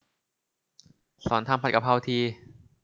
สอนทำผัดกะเพราที